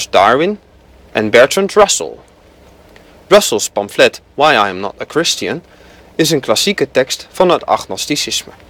Darwin en Bertrand Russell. Russells pamflet Why I Am Not a Christian is een klassieke tekst van het agnosticisme